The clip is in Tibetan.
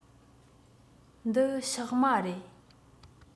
འདི ཕྱགས མ རེད